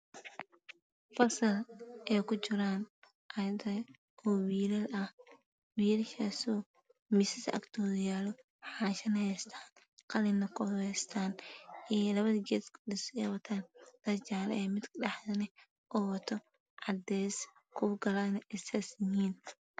Fasal ay ku jiran ardey oo wilal ah wilashaso misas aktoda yaalo xaanshi ay haystan qalina kor u haystaan labada geska fadhiso ay watan dhar jaalo eh midka dhexduna u wato cades kuwa kale ay sas yihin